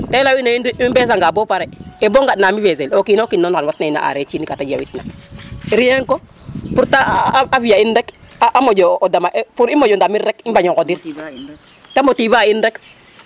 te ley u ine i mbesa nga bo pare bo nga oleng na nuun fesse e o kino kin xam watin areer ci in ka te jawit na rien que pour te fiya in rek a moƴo dama pour i moƴo ndamir rek i mbaƴo ŋodir te motiver a in rek